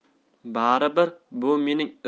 bari bir bu mening